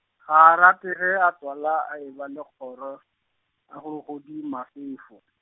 ga a rate ge a tswala a eba le kgoro, a golo godi mafefo.